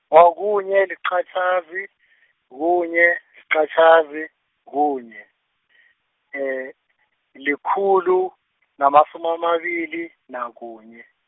wa kukunye liqatjhazi , kunye, liqatjhazi, kunye, likhulu, namasumi amabili, nakunye.